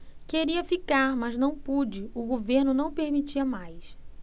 queria ficar mas não pude o governo não permitia mais